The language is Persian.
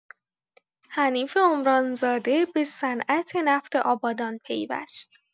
حنیف عمران زاده به صنعت‌نفت آبادان پیوست.